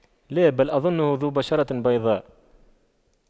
لا بل أظنه ذو بشرة بيضاء